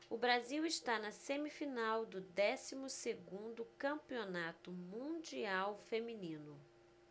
o brasil está na semifinal do décimo segundo campeonato mundial feminino